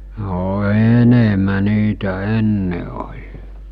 no enemmän niitä ennen oli